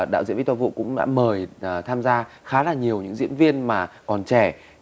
đạo diễn vích to vũ cũng đã mời tham gia khá là nhiều những diễn viên mà còn trẻ